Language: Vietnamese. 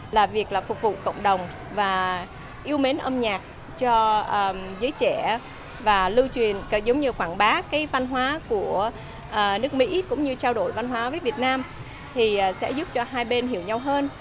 là việc là phục vụ cộng đồng và yêu mến âm nhạc cho giới trẻ ờm và lưu truyền giống như quảng bá ký văn hóa của ờ nước mỹ cũng như trao đổi văn hóa với việt nam thì à sẽ giúp cho hai bên hiểu nhau hơn